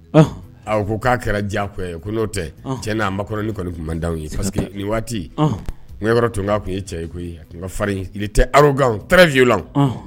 A ko k'a kɛra diya n'o tɛ cɛ n'a maɔrɔnin kɔni tun man ye nin waati n yɔrɔ tun ka tun ye cɛ ye koyi faririn tɛrore la